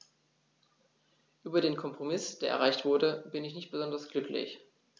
Über den Kompromiss, der erreicht wurde, bin ich nicht besonders glücklich.